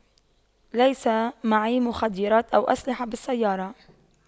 ليس معي مخدرات أو أسلحة بالسيارة